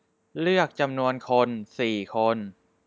โกวาจีเลือกจำนวนคนสี่คน